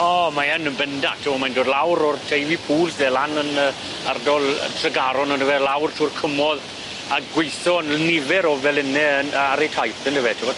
O mae yn yn bendant o mae'n dod lawr o'r Teifi pools de lan yn yy argol yy Tregaron yndyfe lawr trw'r cymodd a gweitho 'n nifer o feline yn yy ar eu taith yndyfe t'wod?